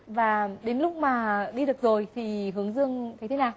và đến lúc mà đi được rồi thì hướng dương thấy thế nào